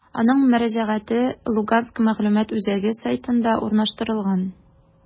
Аның мөрәҗәгате «Луганск мәгълүмат үзәге» сайтында урнаштырылган.